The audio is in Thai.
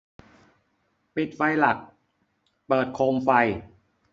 ปิดไฟหลักเปิดโคมไฟ